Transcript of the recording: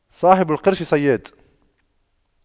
صاحب القرش صياد